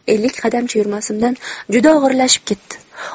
ellik qadamcha yurmasimdan juda og'irlashib ketdi